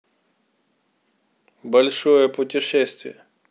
большое путешествие